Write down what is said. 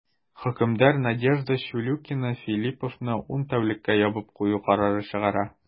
Хөкемдар Надежда Чулюкина Филлиповны ун тәүлеккә ябып кую карары чыгара.